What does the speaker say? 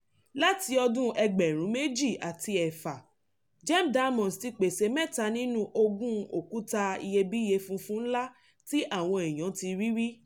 Láti ọdún 2006, Gem Diamonds ti pèsè mẹ́ta nínú 20 òkúta iyebíye funfun ńlá tí àwọn èèyàn ti rí rí.